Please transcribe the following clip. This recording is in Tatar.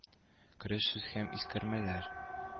Кереш сүз һәм искәрмәләр